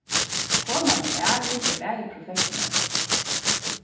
konan og maðurin eru bæði professionell